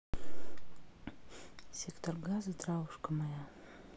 сектор газа травушка моя